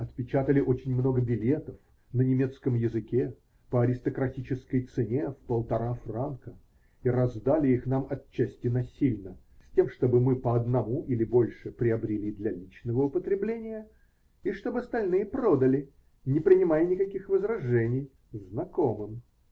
Отпечатали очень много билетов на немецком языке по аристократической цене в полтора франка и раздали их нам отчасти насильно, с тем чтобы мы по одному или больше приобрели для личного употребления и чтоб остальные продали, не принимая никаких возражений, "знакомым".